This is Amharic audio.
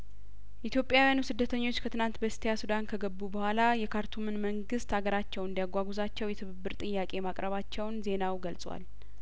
ኢትዮያውያኑ ስደተኞች ከትላንት በስቲያሱዳን ከገቡ በኋላ የካርቱምን መንግስት አገራቸው እንዲያጓጉ ዛቸው የትብብር ጥያቄ ማቅረባቸውን ዜናው ገልጿል